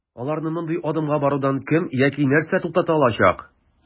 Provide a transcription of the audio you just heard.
Аларны мондый адымга барудан кем яки нәрсә туктата алачак?